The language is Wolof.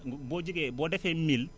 bu boo jugee boo defee mil